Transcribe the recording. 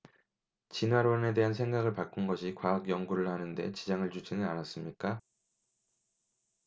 진화론에 대한 생각을 바꾼 것이 과학 연구를 하는 데 지장을 주지는 않았습니까